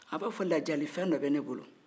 a b'a fɔ lajali fɛn dɔ bɛ ne bolo